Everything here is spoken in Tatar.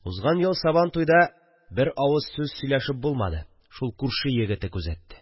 Узган ел сабантуйда бер авыз сүз сөйләшеп булмады – шул күрше егете күзәтте